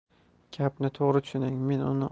gapimni to'g'ri tushuning men uni